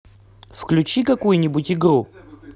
включи какую нибудь игру